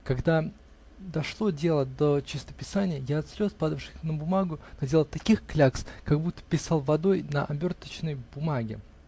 Когда дошло дело до чистописания, я от слез, падавших на бумагу, наделал таких клякс, как будто писал водой на оберточной бумаге.